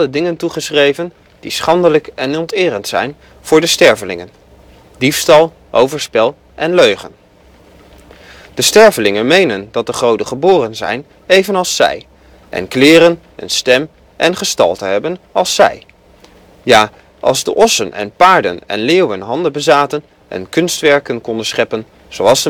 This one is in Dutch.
dingen toegeschreven die schandelijk en onterend zijn voor de stervelingen: diefstal, overspel en leugen. De stervelingen menen dat de goden geboren zijn evenals zij, en kleren, een stem en gestalte hebben als zij... ja, als de ossen en paarden en leeuwen handen bezaten en kunstwerken konden scheppen, zoals